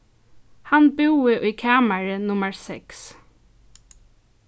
hann búði í kamari nummar seks